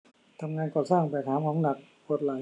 ทำงานก่อสร้างแบกหามของหนักปวดไหล่